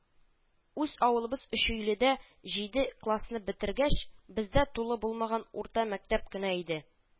Үз авылыбыз Өчөйледә җиде классны бетергәч, - Бездә тулы булмаган урта мәктәп кенә иде